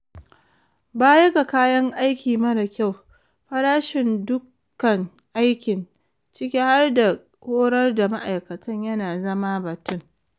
Baya ga kayan aiki mara kyau, farashin dukan aikin - ciki har da horar da ma'aikatan - yana zama batun.